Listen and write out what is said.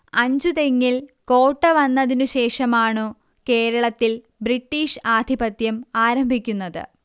അഞ്ചുതെങ്ങിൽ കോട്ട വന്നതിനു ശേഷമാണു കേരളത്തിൽ ബ്രിട്ടീഷ് ആധിപത്യം ആരംഭിക്കുന്നത്